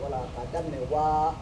Voilà k'a daminɛ wa